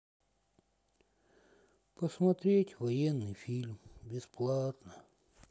посмотреть военный фильм бесплатно